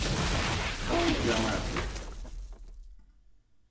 eg haldi ikki eg havi meira at siga